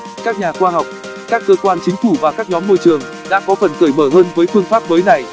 các nhà khoa học các cơ quan chính phủ và các nhóm môi trường đã có phần cởi mở hơn với phương pháp mới này